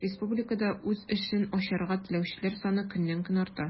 Республикада үз эшен ачарга теләүчеләр саны көннән-көн арта.